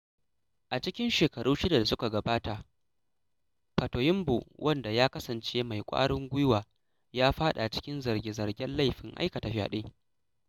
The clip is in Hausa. A cikin shekaru shida da suka gabata, Fatoyinbo wanda ya kasance mai ƙwarin gwiwa ya faɗa cikin zarge-zargen laifin aikata fyaɗe.